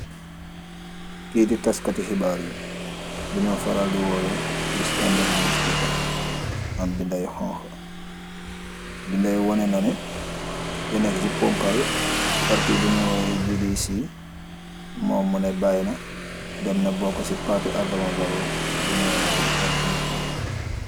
Keiiti tasskati khibarr yii bu njur fahral di worweh the standard newspaper, am binda yu honha, binda yii wohneh na neh kenah ki cii ponkal parti bu njur worweh GDC mom muneh baina, demna boka ci parti adama barrow bu njur worweh NPP.